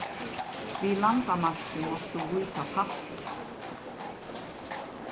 við landamarkið mást tú vísa passið